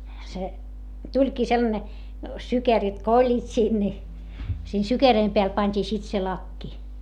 se tulikin sellainen sykeröt kun olivat siinä niin siinä sykeröiden päällä pantiin sitten se lakki